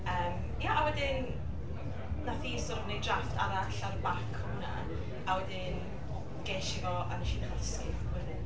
Yym ia a wedyn wnaeth hi sort of wneud drafft arall ar back hwnna, a wedyn ges i fo, a wnes i ddechrau dysgu wedyn.